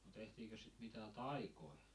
no tehtiinkös sitä mitään taikoja